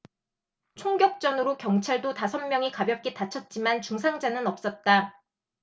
총격전으로 경찰도 다섯 명이 가볍게 다쳤지만 중상자는 없었다